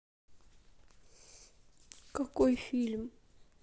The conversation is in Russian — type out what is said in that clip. какой фильм